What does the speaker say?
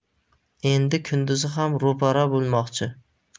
endi kunduzi ham ro'para bo'lmoqchi